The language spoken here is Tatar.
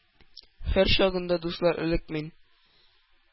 Хөр чагында, дуслар, элек мин?